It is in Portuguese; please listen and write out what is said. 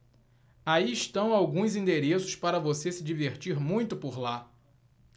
aí estão alguns endereços para você se divertir muito por lá